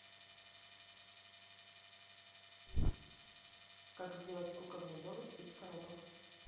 как сделать кукольный домик из коробок